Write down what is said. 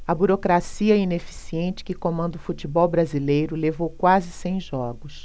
a burocracia ineficiente que comanda o futebol brasileiro levou quase cem jogos